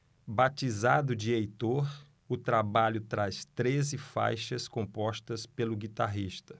batizado de heitor o trabalho traz treze faixas compostas pelo guitarrista